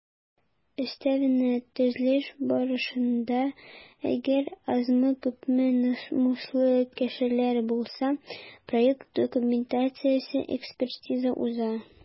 Өстәвенә, төзелеш барышында - әгәр азмы-күпме намуслы кешеләр булса - проект документациясе экспертиза уза.